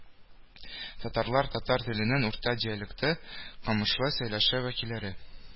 Татарлар татар теленең урта диалекты, камышлы сөйләше вәкилләре